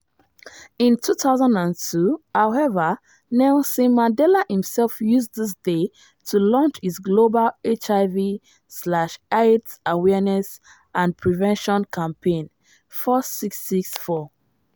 In 2002, however, Nelson Mandela himself used this day to launch his global HIV/AIDS awareness and prevention campaign, 46664.